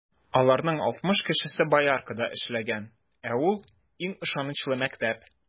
Аларның алтмыш кешесе Бояркада эшләгән, ә ул - иң ышанычлы мәктәп.